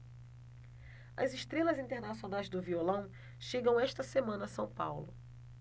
as estrelas internacionais do violão chegam esta semana a são paulo